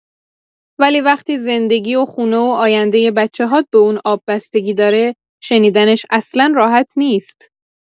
ولی وقتی زندگی و خونه و آیندۀ بچه‌هات به اون آب بستگی داره، شنیدنش اصلا راحت نیست.